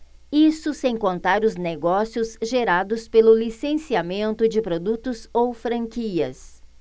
isso sem contar os negócios gerados pelo licenciamento de produtos ou franquias